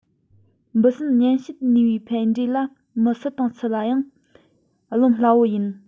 འབུ སྲིན སྨྱན བྱེད ནུས པའི ཕན འབྲས ལ མི སུ དང སུ ཡང རློམ སླ པོ ཡིན